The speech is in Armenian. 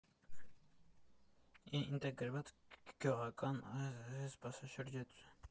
Ինտեգրված գյուղական զբոսաշրջություն։